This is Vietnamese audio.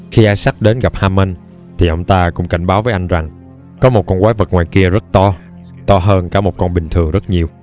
khi isaac đến gặp hammond thì ông ta cũng cảnh báo với anh rằng có một con quái vật ngoài kia rất to to hơn cả một con bình thường rất nhiều